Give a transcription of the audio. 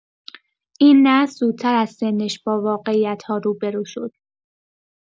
این نسل زودتر از سنش با واقعیت‌ها روبه‌رو شد.